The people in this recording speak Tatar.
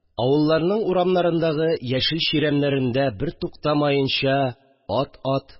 Авылларның урамнарындагы яшел чирәмнәрендә бертуктамаенча ат-ат